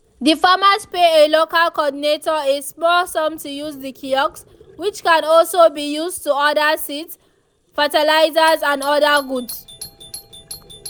The farmers pay a local coordinator a small sum to use the kiosk, which can also be used to order seed, fertilizers and other goods.